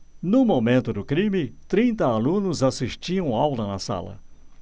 no momento do crime trinta alunos assistiam aula na sala